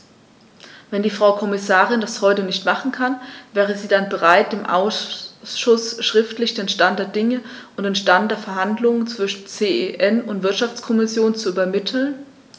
Wenn die Frau Kommissarin das heute nicht machen kann, wäre sie dann bereit, dem Ausschuss schriftlich den Stand der Dinge und den Stand der Verhandlungen zwischen CEN und Wirtschaftskommission zu übermitteln?